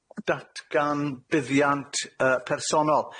datgan buddiant yy personol.